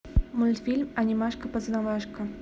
мультфильм анимашка познавашка